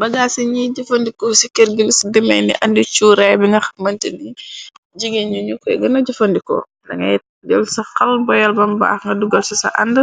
Bagaas ci ñiy jëfandiko ci kirgl ci dimey ni andi curaay. Bi nga xamante ni jigeen yu ñu ko gëna jëfandikoo. Ndangay jël sa xal boyal bambaax nga dugal ci ca.Nga